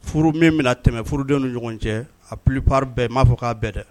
Furu min bɛna tɛmɛ furudenw ni ɲɔgɔn cɛ a ppri bɛɛ m'a fɔ k'a bɛɛ dɛ